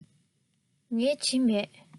ངས བྲིས མེད